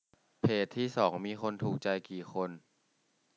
เพจที่สองมีคนถูกใจกี่คน